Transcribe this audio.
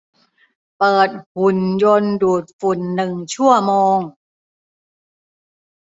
เปิดหุ่นยนต์ดูดฝุ่นหนึ่งชั่วโมง